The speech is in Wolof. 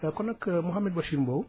kon nag Mouhamadou Bachir Mbow